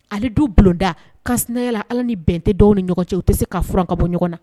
Ale du bulonda ka yala ala ni bɛn tɛ dɔw ni ɲɔgɔn cɛ u tɛ se k'a f ka bɔ ɲɔgɔn na